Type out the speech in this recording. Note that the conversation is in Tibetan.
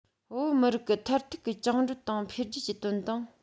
བོད མི རིགས ཀྱི མཐར ཐུག གི བཅིངས འགྲོལ དང འཕེལ རྒྱས ཀྱི དོན དང